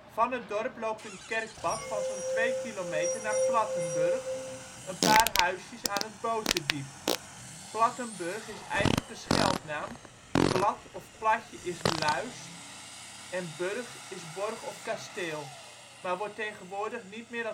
Van het dorp loopt een kerkpad van zo 'n 2 km naar Plattenburg, een paar huisjes aan het Boterdiep. Plattenburg is eigenlijk een scheldnaam (plat (je) = luis en burg = borg of kasteel), maar wordt tegenwoordig niet meer